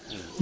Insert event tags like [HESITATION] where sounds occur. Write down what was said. [HESITATION] [HESITATION]